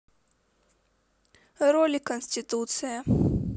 ролик конституция